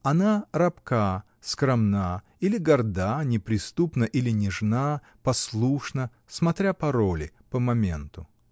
Она робка, скромна или горда, неприступна или нежна, послушна — смотря по роли, по моменту.